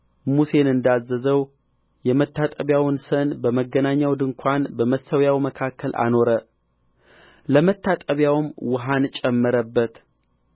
ሙሴን እንዳዘዘው የመታጠቢያውን ሰን በመገናኛው ድንኳንና በመሠዊያው መካከል አኖረ ለመታጠቢያም ውኃን ጨመረበት